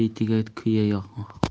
betiga kuya yoqma